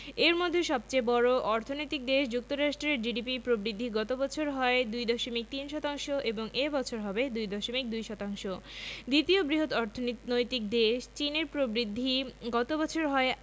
এর মধ্যে সবচেয়ে বড় অর্থনৈতিক দেশ যুক্তরাষ্ট্রের জিডিপি প্রবৃদ্ধি গত বছর হয় ২.৩ শতাংশ এবং এ বছর হবে ২.২ শতাংশ দ্বিতীয় বৃহৎ অর্থনৈতিক দেশ চীনের প্রবৃদ্ধি গত বছর হয়